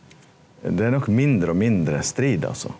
det er nok mindre og mindre strid altso.